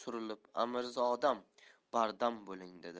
surilib amirzodam bardam bo'ling dedi